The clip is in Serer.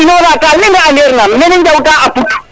a inora ta leŋa ander na mene njawta a put